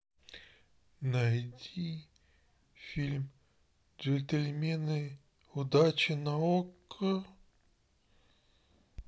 найди фильм джентльмены удачи на окко